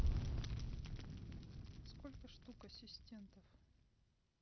сколько штук ассистентов